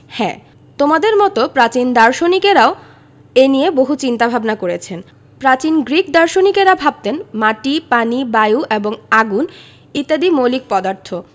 হ্যাঁ তোমাদের মতো প্রাচীন দার্শনিকেরাও এ নিয়ে বহু চিন্তা ভাবনা করেছেন প্রাচীন গ্রিক দার্শনিকেরা ভাবতেন মাটি পানি বায়ু এবং আগুন ইত্যাদি মৌলিক পদার্থ